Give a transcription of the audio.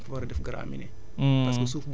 foofu da nga fa war a def graminé